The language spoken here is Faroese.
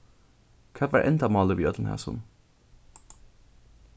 hvat var endamálið við øllum hasum